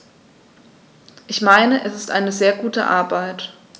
Ich meine, es ist eine sehr gute Arbeit.